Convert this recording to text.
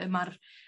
Yym a'r...